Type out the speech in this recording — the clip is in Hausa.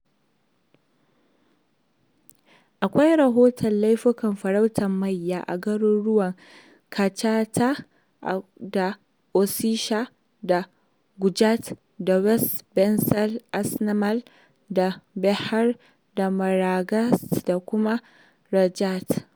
Akwai rahoton laifukan farautar mayya a garuruwan Chattisgarh da Odisha da Gujarat da West Bengal Assam da Bihar da Maharashtra da kuma Rajasthan.